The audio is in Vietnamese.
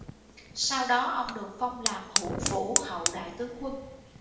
sau đó ông được phong làm hữu vũ hậu đại tướng quân